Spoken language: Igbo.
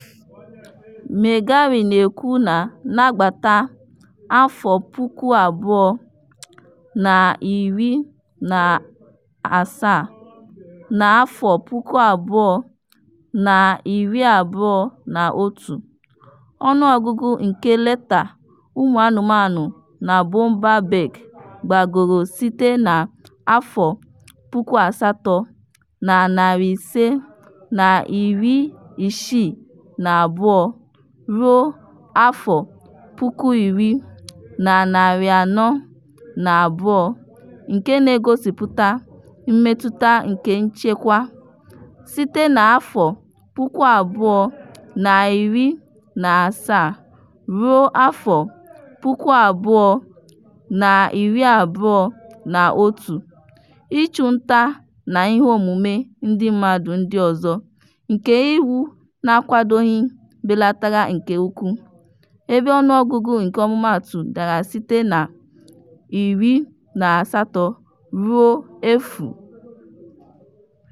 Meigari na-ekwu na n'agbata 2017 na 2021, ọnụọgụgụ nke nleta ụmụanụmanụ na Boumba Bek gbagoro site na 8,562 ruo 10,402, nke na-egosịpụta mmetụta nke nchekwa: "Site na 2017 ruo 2021, ịchụ nta na iheomume ndị mmadụ ndị ọzọ nke iwu n'akwadoghị belatara nke ukwuu, ebe ọnụọgụgụ nke ọmụmaatụ dara site na 18 ruo 0.